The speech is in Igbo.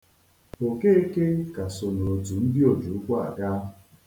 Okeke ka so n'otu ndị ojiụkwụaga.